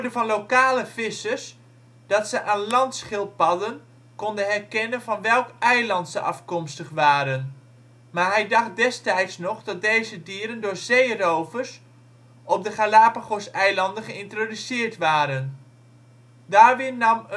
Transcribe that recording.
van lokale vissers dat ze aan landschildpadden konden herkennen van welk eiland ze afkomstig waren, maar hij dacht destijds nog dat deze dieren door zeerovers op de Galapagoseilanden geïntroduceerd waren. Darwin nam